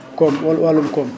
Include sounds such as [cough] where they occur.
koom [noise] wal wàllum koom